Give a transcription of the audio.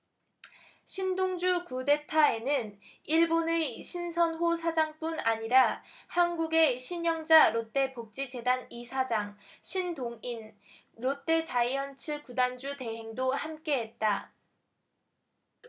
신동주 쿠데타에는 일본의 신선호 사장뿐 아니라 한국의 신영자 롯데복지재단 이사장 신동인 롯데자이언츠 구단주 대행도 함께했다